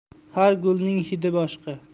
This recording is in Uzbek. har gulning hidi boshqa